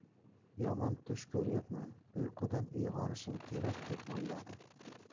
yomon tush ko'ryapman uyqudan uyg'onishim kerak deb o'yladi